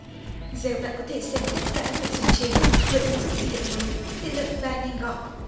giờ bạn có thể xem tất cả các nội dung trên với ứng dụng di động mới tiện lợi và nhanh gọn